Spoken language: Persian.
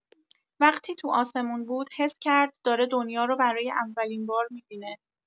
وقتی تو آسمون بود، حس کرد داره دنیا رو برای اولین بار می‌بینه.